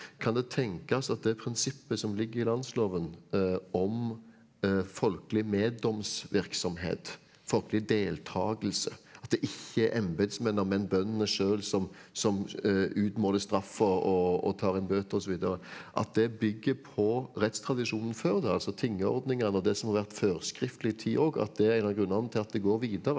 kan det tenkes at det prinsippet som ligger i landsloven om folkelig meddomsvirksomhet folkelig deltakelse at det ikke er embetsmennene men bøndene sjøl som som utmåler straff og og og tar inn bøter osv. at det bygger på rettstradisjonen før da altså tingordningene og det som har vært førskriftlig tid òg at det er en av grunnene til at det går videre.